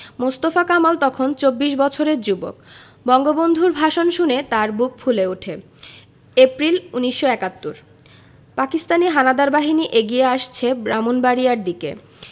মোস্তফা কামাল তখন চব্বিশ বছরের যুবক বঙ্গবন্ধুর ভাষণ শুনে তাঁর বুক ফুলে ওঠে এপ্রিল ১৯৭১ পাকিস্তানি হানাদার বাহিনী এগিয়ে আসছে ব্রাহ্মনবাড়িয়ার দিকে